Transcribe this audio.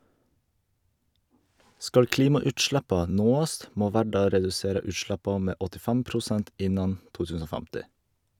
Skal klimautsleppa nåast, må verda redusera utsleppa med 85 prosent innan 2050.